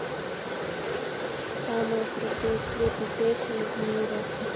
самые крутые клипы песен в мире